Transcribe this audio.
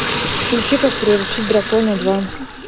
включи как приручить дракона два